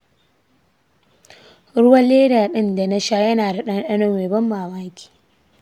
ruwan leda ɗin da na sha yana da ɗanɗano mai ban mamaki.